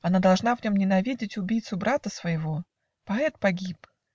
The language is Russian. Она должна в нем ненавидеть Убийцу брата своего Поэт погиб.